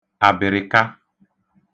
àbị̀rị̀ka